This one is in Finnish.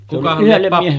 sille yhdelle -